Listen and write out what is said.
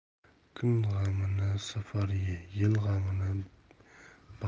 kun g'amini sahar ye